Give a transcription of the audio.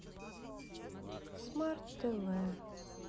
смарт тв